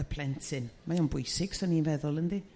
y plentyn mae o'n bwysig so'n i'n feddwl yndi?